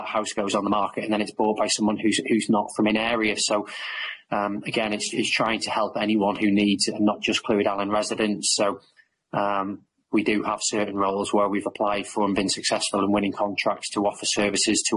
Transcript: that house goes on the market and then it's bought by someone who's not from an area so again it's trying to help anyone who needs not just Clwyd Allan residents so we do have certain roles where we've applied for and been successful in winning contracts to offer services to